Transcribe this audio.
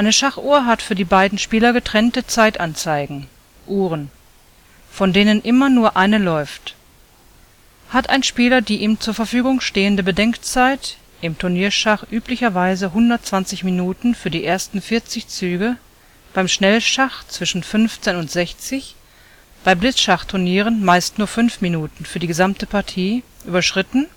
Schachuhr hat für die beiden Spieler getrennte Zeitanzeigen („ Uhren “), von denen immer nur eine läuft. Hat ein Spieler die ihm zur Verfügung stehende Bedenkzeit (im Turnierschach üblicherweise 120 Minuten für die ersten 40 Züge, beim Schnellschach zwischen 15 und 60, bei Blitzschachturnieren meist nur 5 Minuten für die gesamte Partie) überschritten